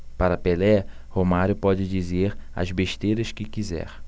para pelé romário pode dizer as besteiras que quiser